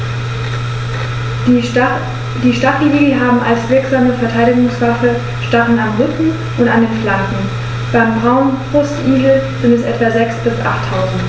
Die Stacheligel haben als wirksame Verteidigungswaffe Stacheln am Rücken und an den Flanken (beim Braunbrustigel sind es etwa sechs- bis achttausend).